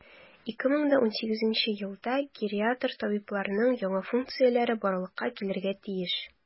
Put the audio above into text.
2018 елда гериатр табибларның яңа функцияләре барлыкка килергә тиеш.